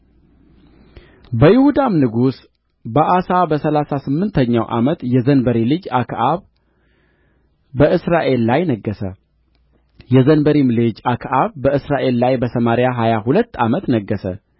በይሁዳም ንጉሥ በአሳ በሠላሳ ስምንተኛው ዓመት የዘንበሪ ልጅ አክዓብ በእስራኤል ላይ ነገሠ የዘንበሪም ልጅ አክዓብ በእስራኤል ላይ በሰማሪያ ሀያ ሁለት ዓመት ነገሠ